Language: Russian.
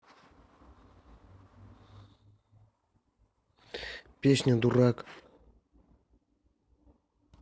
песня дурак